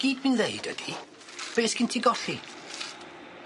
Gyd fi'n ddeud ydi be' sgin ti golli?